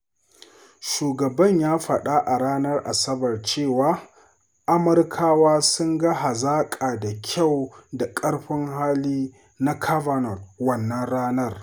Shugaban ya faɗa a ranar Asabar cewa “Amurkawa sun ga hazaƙa da kyau da ƙarfin hali” na Kavanaugh wannan ranar.